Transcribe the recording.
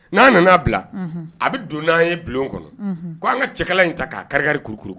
N'a nana'a bila a bɛ don n'an ye bulon kɔnɔ k' an ka cɛka in ta k'a kari kurukuru